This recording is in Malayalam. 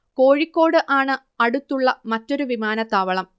കോഴിക്കോട് ആണ് അടുത്തുള്ള മറ്റൊരു വിമാനത്താവളം